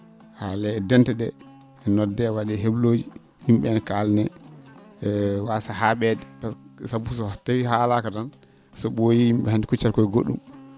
haalee e dente ?ee noddee wa?ee he?looji yim?e ?ee ne kaalanee e waasa haa?eede sabu so tawii haalaaka tan so ?ooyii yim?e hannde kuccata koye go??um